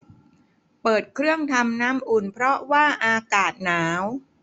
เปิดเครื่องทำน้ำอุ่นเพราะว่าอากาศหนาว